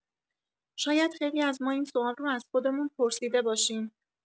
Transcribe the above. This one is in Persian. شاید خیلی از ما این سوال رو از خودمون پرسیده باشیم.